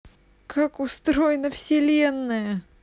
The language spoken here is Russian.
как устроена вселенная